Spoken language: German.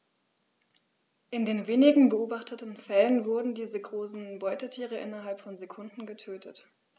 In den wenigen beobachteten Fällen wurden diese großen Beutetiere innerhalb von Sekunden getötet.